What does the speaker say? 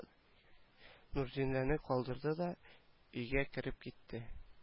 Нурзинәне калдырды да өйгә кереп китте